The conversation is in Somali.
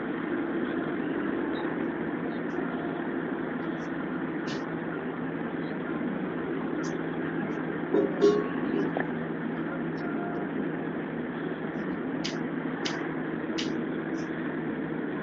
Meeshan waxaa yeelay surwaalka midabkiisu waa caddeyn wuxuuna sugan yahay darbi cadaan ah